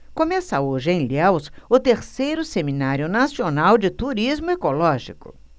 começa hoje em ilhéus o terceiro seminário nacional de turismo ecológico